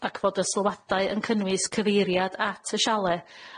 ac fod y sylwadau yn cynnwys cyfeiriad at y sialê a'r